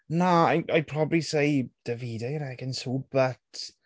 Na I- I'd probably say Davide and Ekin-Su, but...